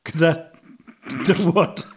Gyda tywod.